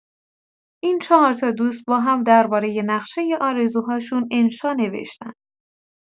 این چهار تا دوست با هم دربارۀ نقشۀ آرزوهاشون انشاء نوشتن